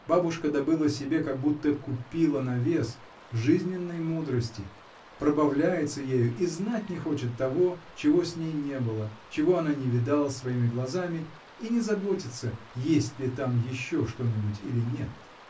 Бабушка добыла себе, как будто купила на вес, жизненной мудрости, пробавляется ею и знать не хочет того, чего с ней не было, чего она не видала своими глазами, и не заботится, есть ли там еще что-нибудь или нет.